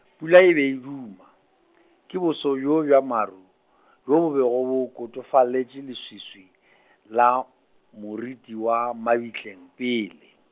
pula e be e duma , ke boso bjo bja maru, bjo bo bego bo kotofaletša leswiswi , la moriti wa, mabitleng pele.